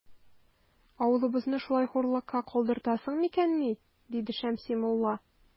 Авылыбызны шулай хурлыкка калдыртасың микәнни? - диде Шәмси мулла.